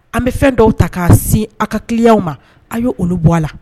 An bɛ fɛn dɔw ta k'a sin a ka kileya ma a y' olu bɔ a la